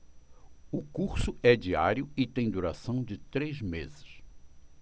o curso é diário e tem duração de três meses